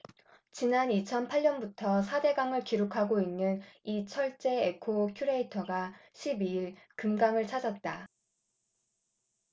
지난 이천 팔 년부터 사 대강을 기록하고 있는 이철재 에코큐레이터가 십 이 일 금강을 찾았다